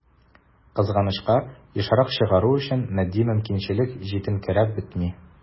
Кызганычка, ешрак чыгару өчен матди мөмкинчелек җитенкерәп бетми.